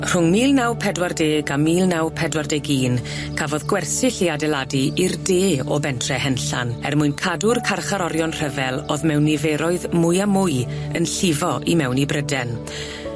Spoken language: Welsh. Rhwng mil naw pedwar deg a mil naw pedwar deg un cafodd gwersyll 'i adeiladu i'r de o bentre Henllan, er mwyn cadw'r carcharorion rhyfel o'dd mewn niferoedd mwy a mwy yn llifo i mewn i Bryden.